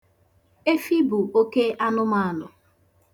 Efi bụ oke anụmanụ